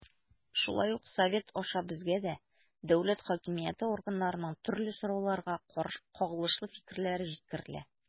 Шулай ук Совет аша безгә дә дәүләт хакимияте органнарының төрле сорауларга кагылышлы фикерләре җиткерелә.